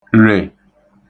rè